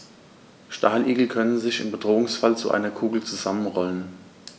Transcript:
Stacheligel können sich im Bedrohungsfall zu einer Kugel zusammenrollen.